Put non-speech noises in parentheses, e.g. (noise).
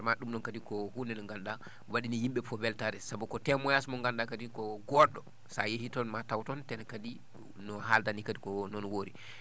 ma ?um noon kadi ko huunde nde nganndu?aa wa?anii yim?e ?ee fof weltaare sabu ko témoignage mo nganndu?aa kadi go??o sa yeyii toon ma a taw toon kadi no haaldaa nii kadi ko noon woori (breath)